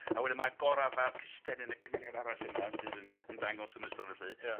A wedyn ma' Gora fab Custennin y cymeriad arall yna sydd yn yn dangos yn y stori 'lly. Ia.